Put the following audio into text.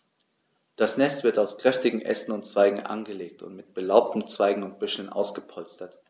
Das Nest wird aus kräftigen Ästen und Zweigen angelegt und mit belaubten Zweigen und Büscheln ausgepolstert.